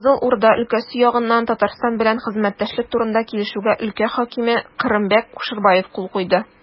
Кызыл Урда өлкәсе ягыннан Татарстан белән хезмәттәшлек турында килешүгә өлкә хакиме Кырымбәк Кушербаев кул куйды.